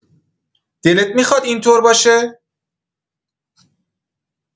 دلت می‌خواد اینطور باشه؟